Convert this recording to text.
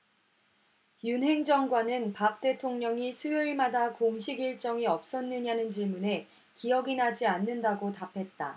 윤 행정관은 박 대통령이 수요일마다 공식일정이 없었느냐는 질문에 기억이 나지 않는다고 답했다